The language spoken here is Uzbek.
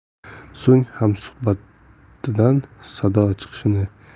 so'ng hamsuhbatidan sado chiqishini